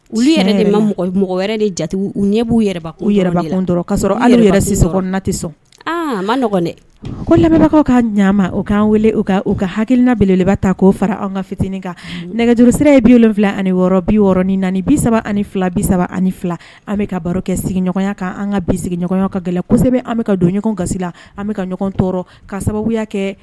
Ɲɛ b' ka yɛrɛti sɔn a ma ko lamɛnbagawkaw kaa ɲɛ ma o kanan wele u ka u ka hakiina beleba ta k koo fara an ka fitinin kan nɛgɛjuru sira ye bi wolonwula ani wɔɔrɔ biɔrɔn ni naani bi saba ani fila bi saba ani fila an bɛ ka baro kɛ sigiɲɔgɔnya kan an ka bi sigiɲɔgɔn ka gɛlɛn kosɛbɛ an bɛ ka don ɲɔgɔn kasi la an bɛka ka ɲɔgɔn tɔɔrɔ ka sababuya kɛ